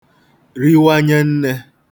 riwanye nnē